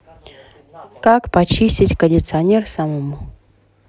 как почистить кондиционер самому